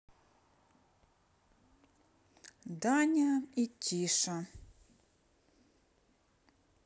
даня и тиша